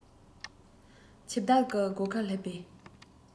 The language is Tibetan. འཆི བདག གི སྒོ ཁར སླེབས པའི